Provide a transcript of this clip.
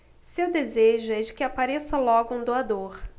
seu desejo é de que apareça logo um doador